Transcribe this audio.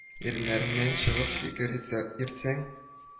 Иреннәреннән чыгып фикер йөртсәң